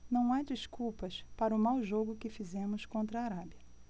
não há desculpas para o mau jogo que fizemos contra a arábia